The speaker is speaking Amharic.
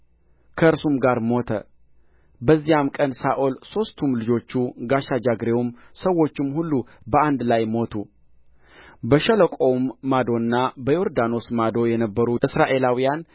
ከእርሱም ጋር ሞተ በዚያም ቀን ሳኦል ሦስቱም ልጆቹ ጋሻ ጃግሬውም ሰዎቹም ሁሉ በአንድ ላይ ሞቱ በሸለቆውም ማዶና በዮርዳኖስ ማዶ የነበሩ እስራኤላውያን